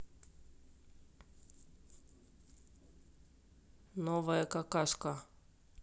новая какашка